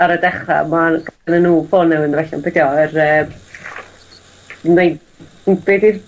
ar y dechra', ma' ganddyn nw ffôn newydd yn dod allan be' 'di o yr yy nei- mm be' 'di'r